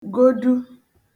godu